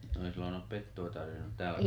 no ei silloin ole pettua tarvinnut täällä